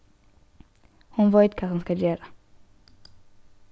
hon veit hvat hon skal gera